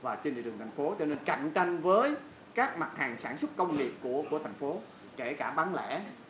và trên thị trường thành phố cho nên cạnh tranh với các mặt hàng sản xuất công nghiệp của của thành phố kể cả bán lẻ